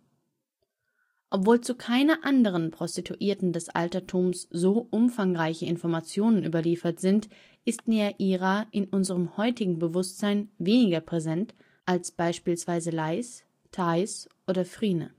Obwohl zu keiner anderen Prostituierten des Altertums so umfangreiche Informationen überliefert sind, ist Neaira in unserem heutigen Bewusstsein weniger präsent als beispielsweise Lais, Thaïs oder Phryne